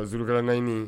A Zulukala Nayinin